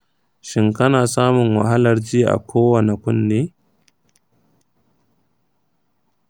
shin kana samun wahalar ji a kowanne kunne?